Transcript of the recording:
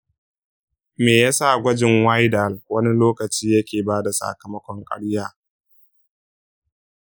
me yasa gwajin widal wani lokaci yake bada sakamakon ƙarya?